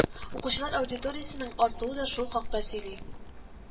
Укучылар аудиториясенең артуы да шул хакта сөйли